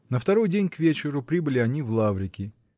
На второй день к вечеру прибыли они в Лаврики